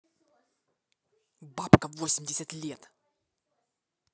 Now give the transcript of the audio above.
бабка восемьдесят лет